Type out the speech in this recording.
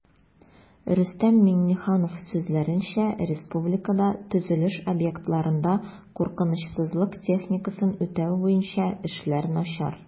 Рөстәм Миңнеханов сүзләренчә, республикада төзелеш объектларында куркынычсызлык техникасын үтәү буенча эшләр начар